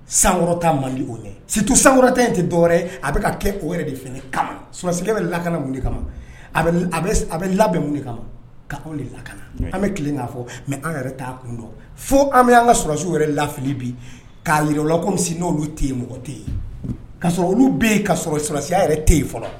Sankɔrɔta man o mɛn situ sankɔrɔ tɛ in tɛ dɔwɛrɛ a bɛ kɛ o de kama sulasikɛ bɛ lakana mun de kama a bɛ labɛn mun de kama ka de lakana an bɛ tilen' fɔ mɛ an yɛrɛ' kun fo an bɛ'an ka slasiw yɛrɛ lali bi k'a jirala kɔmi n'oolu tɛ mɔgɔ tɛ yen ka sɔrɔ olu bɛ yen ka sɔrɔ sulasiya yɛrɛ tɛ yen fɔlɔ